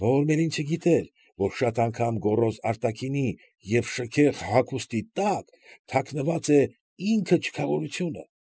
Ողորմելին չգիտեր, որ շատ անգամ գոռոզ արտաքինի և շքեղ հագուստի տակ թաքնված է ինքը չքավորությանը։